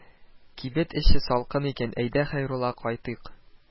Кибет эче салкын икән, әйдә, Хәйрулла, кайтыйк,